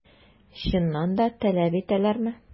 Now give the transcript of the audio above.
Чыннан да таләп итәләрме?